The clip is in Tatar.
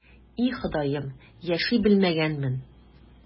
И, Ходаем, яши белмәгәнмен...